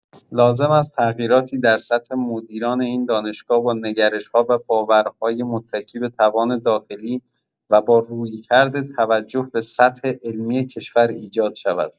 لازم است تغییراتی در سطح مدیران این دانشگاه با نگرش‌ها و باورهای متکی به توان داخلی و با رویکرد توجه به سطح علمی کشور ایجاد شود.